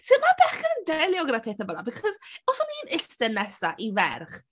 Sut mae bechgyn yn delio gyda pethau fel 'na because os o'n i'n iste nesaf i ferch...